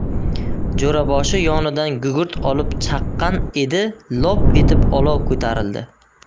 jo'raboshi yonidan gugurt olib chaqqan edi lop etib olov ko'tarildi